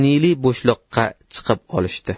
niliy bo'shliqqa chiqib olishdi